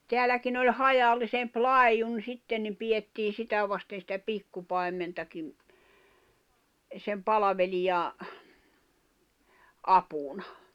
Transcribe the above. täälläkin oli hajallisempi laidun sitten niin pidettiin sitä vasten sitä pikkupaimentakin sen palvelijan apuna